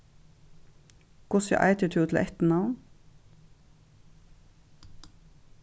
hvussu eitur tú til eftirnavn